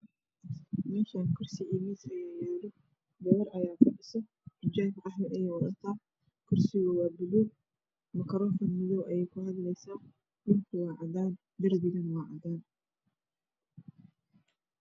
Messhan kursi iyo miis ayaaa yaalo gabar ayaa fadhiso xijaab qaxwi aha ayay wadataa kursiga waa buluug makroofan madoow ayay ku hadlaysaa dhulku waa cadan darbigana cadaan